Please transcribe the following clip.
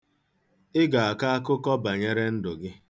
Ị ga-akọ akụkọ banyere ndụ gị.